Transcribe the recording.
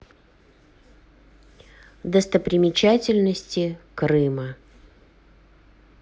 достопримечательности крыма